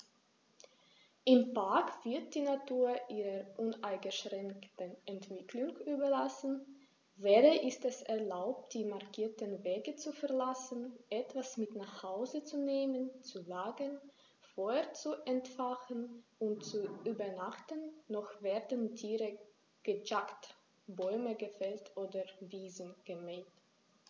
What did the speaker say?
Im Park wird die Natur ihrer uneingeschränkten Entwicklung überlassen; weder ist es erlaubt, die markierten Wege zu verlassen, etwas mit nach Hause zu nehmen, zu lagern, Feuer zu entfachen und zu übernachten, noch werden Tiere gejagt, Bäume gefällt oder Wiesen gemäht.